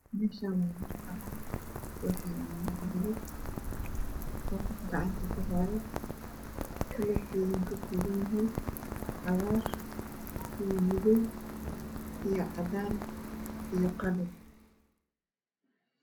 Meeshan waa mel banaan ah waxaa yaalo caagad uu qof gacanta ku haayo kalarkeeduna uu ka kooban yahay cagaar iyo madoow iyo cadaan iyo madoow iyo qalin